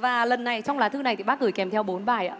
và lần này trong lá thư này bác gửi kèm theo bốn bài ạ